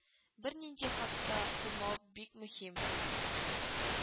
Бернинди хата булмау бик мөһим